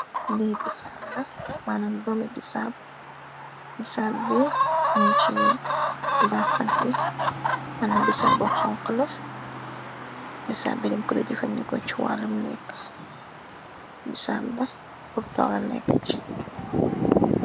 Di ba manam dome bisab bi bun ci banxans bi manam bisabu konkla bisab birim kura jëfenniko ci wàlum ekkbi saabla purtogal lekkac.